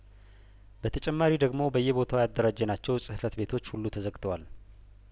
በተጨማሪ ደግሞ በየቦታው ያደራጀናቸው ጽህፈት ቤቶች ሁሉ ተዘግተዋል